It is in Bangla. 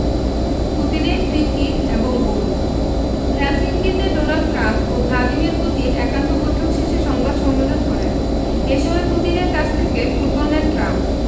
পুতিনের ফ্রি কিক এবং গোল হেলসিঙ্কিতে ডোনাল্ড ট্রাম্প ও ভ্লাদিমির পুতিন একান্ত বৈঠক শেষে সংবাদ সম্মেলন করেন এ সময় পুতিনের কাছ থেকে ফুটবল নেন ট্রাম্প